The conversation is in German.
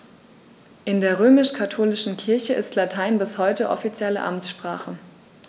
In der römisch-katholischen Kirche ist Latein bis heute offizielle Amtssprache.